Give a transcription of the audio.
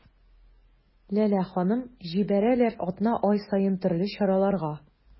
Ләлә ханым: җибәрәләр атна-ай саен төрле чараларга.